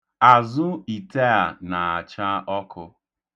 Azụ ite a na-acha ọkụ.